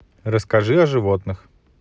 расскажи о животных